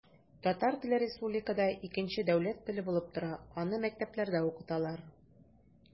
Татар теле республикада икенче дәүләт теле булып тора, аны мәктәпләрдә укыталар.